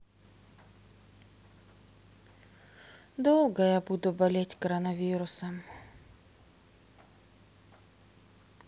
долго я буду болеть коронавирусом